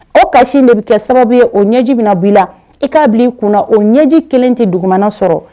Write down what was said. O kasi de bɛ kɛ sababu o ɲɛji bɛna bi la i k'a bila i kunna o ɲɛji kelen tɛ dugumana sɔrɔ